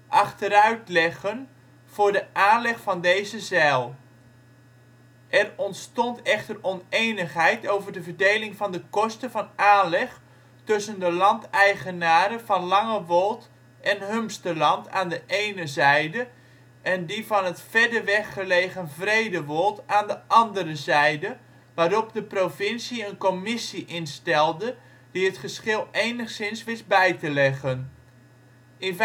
achteruit leggen voor de aanleg van deze zijl. Er ontstond echter onenigheid over de verdeling van de kosten van aanleg tussen de landeigenaren van Langewold en Humsterland aan de ene zijde en die van het verder weg gelegen Vredewold aan de andere zijde, waarop de provincie een commissie instelde die het geschil enigszins wist bij te leggen. In